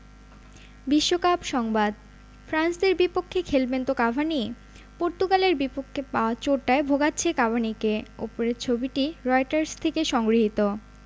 বিশ্বকাপ সংবাদ ফ্রান্সের বিপক্ষে খেলবেন তো কাভানি পর্তুগালের বিপক্ষে পাওয়া চোটটা ভোগাচ্ছে কাভানিকে ওপরের ছবিটি রয়টার্স থেকে সংগৃহীত